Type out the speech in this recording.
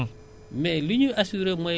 man bu ma wóoree ne boo defee day yàqu